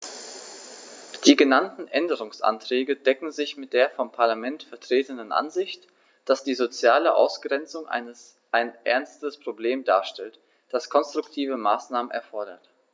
Die genannten Änderungsanträge decken sich mit der vom Parlament vertretenen Ansicht, dass die soziale Ausgrenzung ein ernstes Problem darstellt, das konstruktive Maßnahmen erfordert.